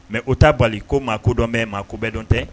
Mɛ o ta bali ko maa kodɔnbɛn maa ko bɛɛ dɔn tɛ